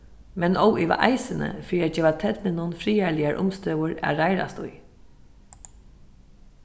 men óivað eisini fyri at geva ternunum friðarligar umstøður at reiðrast í